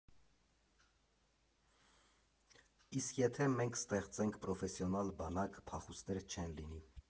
Իսկ եթե մենք ստեղծենք պրոֆեսիոնալ բանակ՝ փախուստներ չեն լինի։